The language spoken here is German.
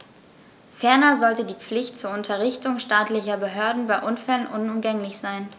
Ferner sollte die Pflicht zur Unterrichtung staatlicher Behörden bei Unfällen unumgänglich sein.